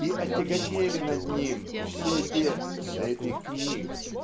И отяготели над ним все те "цепи книг"